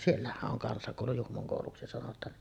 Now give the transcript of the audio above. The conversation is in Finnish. siellähän on kansakoulu Juhmon kouluksi sanotaan